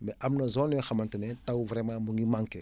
mais am na zone yoo xamante ne taw vraiment mu ngi manqué